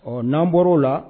Ɔ n'an bɔra o la